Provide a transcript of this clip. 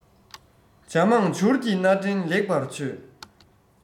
བྱ མང བྱུར གྱི སྣ འདྲེན ལེགས པར ཆོད